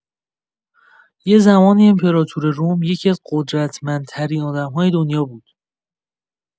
یه زمانی امپراطور روم یکی‌از قدرتمندترین آدمای دنیا بود!